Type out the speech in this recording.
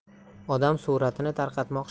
odam suratini tarqatmoq